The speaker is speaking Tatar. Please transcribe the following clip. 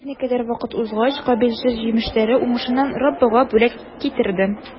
Берникадәр вакыт узгач, Кабил җир җимешләре уңышыннан Раббыга бүләк китерде.